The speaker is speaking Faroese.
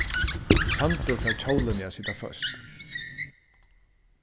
sandur fær hjólini at sita føst